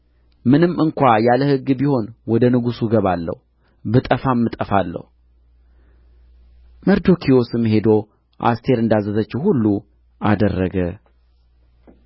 ምንም እንኳ ያለ ሕግ ቢሆን ወደ ንጉሡ እገባለሁ ብጠፋም እጠፋለሁ መርዶክዮስም ሄዶ አስቴር እንዳዘዘችው ሁሉ አደረገ